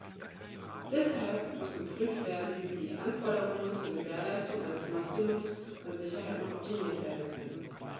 Deshalb muss geprüft werden, wie die Anforderungen zur Gewährleistung eines Maximums an Sicherheit noch optimiert werden können.